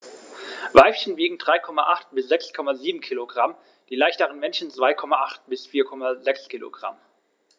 Weibchen wiegen 3,8 bis 6,7 kg, die leichteren Männchen 2,8 bis 4,6 kg.